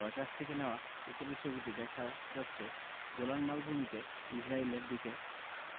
Reuters থেকে নেয়া উপরের ছবিটিতে দেখা যাচ্ছে গোলান মালভূমিতে ইসরায়েলের দিকের